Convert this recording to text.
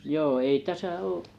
joo ei tässä ole